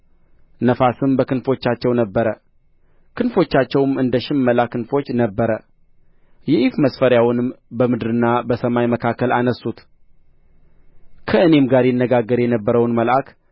ነፋስም በክንፎቻቸው ነበረ ክንፎቻቸውም እንደ ሽመላ ክንፎች ነበሩ የኢፍ መስፈሪያውንም በምድርና በሰማይ መካከል አነሡት ከእኔም ጋር ይነጋገር የነበረውን መልአክ